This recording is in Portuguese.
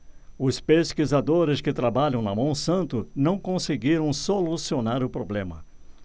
os pesquisadores que trabalham na monsanto não conseguiram solucionar o problema